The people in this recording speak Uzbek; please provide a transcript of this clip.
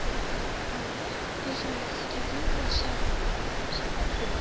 anvar peshonasiga yengil shapatiladi